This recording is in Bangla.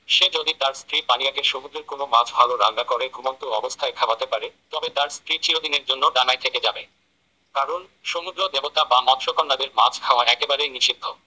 সে যদি তার স্ত্রী পানিয়াকে সমুদ্রের কোনো মাছ ভালো রান্না করে ঘুমন্ত অবস্থায় খাওয়াতে পারে তবে তার স্ত্রী চিরদিনের জন্য ডাঙায় থেকে যাবে কারণ সমুদ্র দেবতা বা মৎস্যকন্যাদের মাছ খাওয়া একেবারেই নিষিদ্ধ